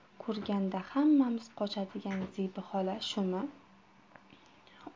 ko'rganda hammamiz qochadigan zebi xola shumi